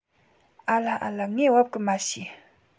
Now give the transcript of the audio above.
ཨ ལ ཨ ལ ངས བབ གི མ ཤེས